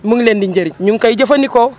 mi ngi leen di njëriñ ñi ngi koy jëfandikoo